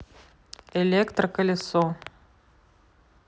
электроколесо